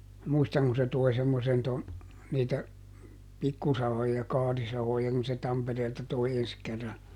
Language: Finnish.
muistan kun se toi semmoisen tuon niitä pikkusahoja kaarisahoja kun se Tampereelta toi ensi kerran